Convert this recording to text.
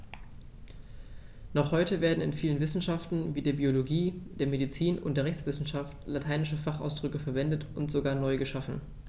Noch heute werden in vielen Wissenschaften wie der Biologie, der Medizin und der Rechtswissenschaft lateinische Fachausdrücke verwendet und sogar neu geschaffen.